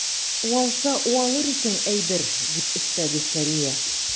Уалса уалыр икән әйбер, - дип өстәде Сәрия.